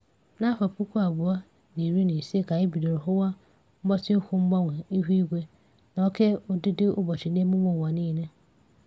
N'afọ 2015 ka anyị bidoro hụwa mgbatị ụkwụ mgbanwe ihuigwe n'oke ụdịdịụbọchị n'emume ụwa niile.